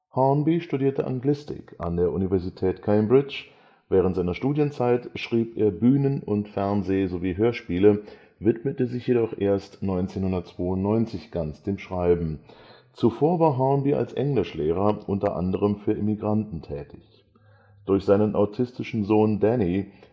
Hornby studierte Anglistik an der Universität Cambridge. Während seiner Studienzeit schrieb er Bühnen -, Fernseh - und Hörspiele, widmete sich jedoch erst 1992 ganz dem Schreiben. Zuvor war Hornby als Englischlehrer, unter anderem für Immigranten, tätig. Durch seinen autistischen Sohn Danny